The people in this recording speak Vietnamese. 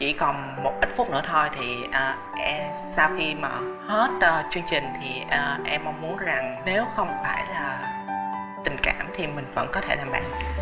chỉ còn một ít phút nữa thôi thì em sau khi mà hết chương trình thì em mong muốn rằng nếu không phải là tình cảm thì mình vẫn có thể làm bạn